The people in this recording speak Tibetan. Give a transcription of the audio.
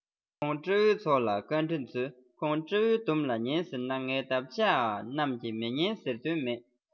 ཁོང སྤྲེའུའི ཚོགས ལ བཀའ འདྲི མཛོད ཁོང སྤྲེའུས སྡུམ ལ ཉན ཟེར ན ངེད འདབ ཆགས ཀྱིས མི ཉན ཟེར དོན མེད